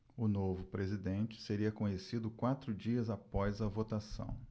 o novo presidente seria conhecido quatro dias após a votação